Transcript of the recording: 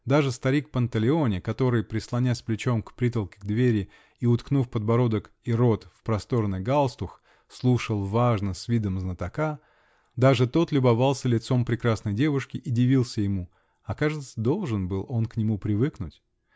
Даже старик Панталеоне, который, прислонясь плечом к притолке двери и уткнув подбородок и рот в просторный галстух, слушал важно, с видом знатока, -- даже тот любовался лицом прекрасной девушки и дивился ему -- а, кажется, должен был он к нему привыкнуть!